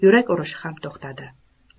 yurak urishi ham to'xtadi